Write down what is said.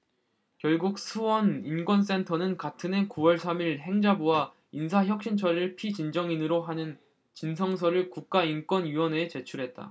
결국 수원인권센터는 같은 해 구 월 삼 일 행자부와 인사혁신처를 피진정인으로 하는 진성서를 국가인권위원회에 제출했다